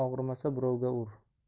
ur og'rimasa birovga ur